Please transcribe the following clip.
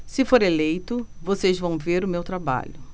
se for eleito vocês vão ver o meu trabalho